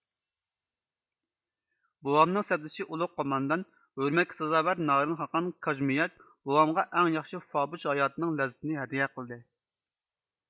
بوۋامنىڭ سەپدىشى ئۇلۇغ قوماندان ھۆرمەتكە سازاۋەر نارىن خاقان كاژېمياك بوۋامغا ئەڭ ياخشى فابۇچ ھاياتنىڭ لەززىتىنى ھەدىيە قىلدى